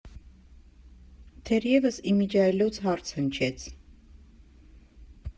Թերևս իմիջիայլոց հարց հնչեց.